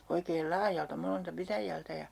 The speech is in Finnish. oikein laajalta monelta pitäjältä ja